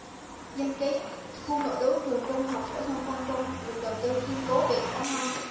dân trí khu nội trú trường trung học phổ thông quang trung được đầu tư kiên cố bị bỏ hoang